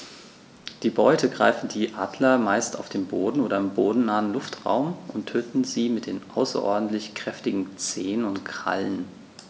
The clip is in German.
Die Beute greifen die Adler meist auf dem Boden oder im bodennahen Luftraum und töten sie mit den außerordentlich kräftigen Zehen und Krallen.